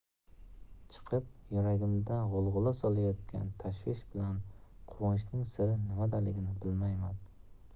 chiqib yuragimga g'ulg'ula solayotgan tashvish bilan quvonchning siri nimadaligini bilmayman